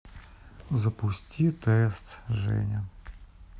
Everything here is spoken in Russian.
запусти тест женя